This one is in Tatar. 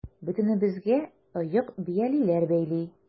Бөтенебезгә оек-биялиләр бәйли.